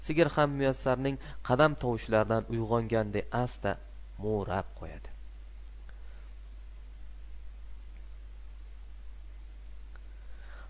sigir ham muyassarning qadam tovushlaridan uyg'onganday asta mo''rab qo'yadi